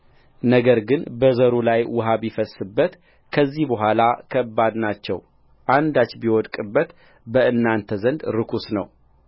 ነገር ግን በዘሩ ላይ ውኃ ቢፈስስበት ከዚህ በኋላ ከበድናቸው አንዳች ቢወድቅበት በእናንተ ዘንድ ርኩስ ነው